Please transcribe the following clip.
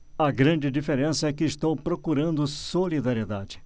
a grande diferença é que eu estou procurando solidariedade